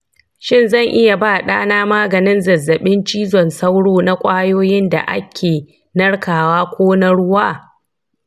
shin zan iya ba ɗana maganin zazzaɓin cizon sauro na ƙwayoyin da ake narkewa ko na ruwa